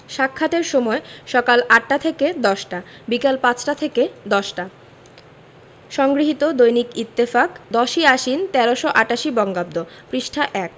সাক্ষাতের সময়ঃসকাল ৮টা থেকে ১০টা বিকাল ৫টা থেকে ১০টা সংগৃহীত দৈনিক ইত্তেফাক ১০ই আশ্বিন ১৩৮৮ বঙ্গাব্দ পৃষ্ঠা ১